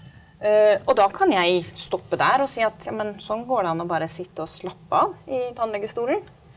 og da kan jeg stoppe der og si at ja men sånn går det an å bare sitte og slappe av i tannlegestolen.